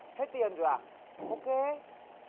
hết tiền rồi à ô kê